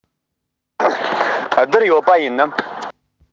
བསྡུར ཡོད པ ཡིན ནམ